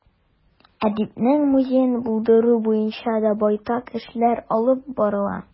Әдипнең музеен булдыру буенча да байтак эшләр алып барыла.